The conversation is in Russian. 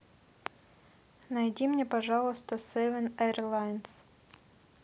найди мне пожалуйста seven airlines